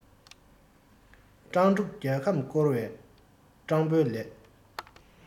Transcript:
སྤྲང ཕྲུག རྒྱལ ཁམས བསྐོར བ སྤྲང པོའི ལས